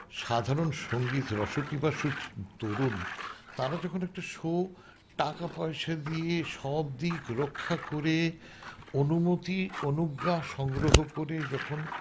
সাধারণ সঙ্গীত রস পিপাসু তরুণ তারা যখন একটা শো টাকা পয়সা দিয়ে সবদিক রক্ষা করে অনুমতি অনুজ্ঞা সংগ্রহ করে যখন